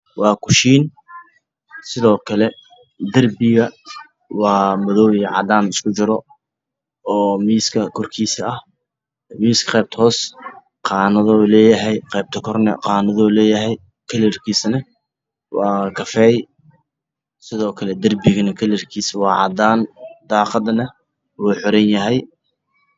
Waa kushiin waxaa ku jira qaanado badan waxaa leedahay orange caadaan